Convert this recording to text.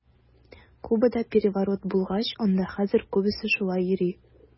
Кубада переворот булгач, анда хәзер күбесе шулай йөри.